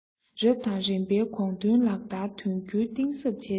རབ དང རིམ པའི དགོངས དོན ལག བསྟར དོན འཁྱོལ གཏིང ཟབ བྱས ཏེ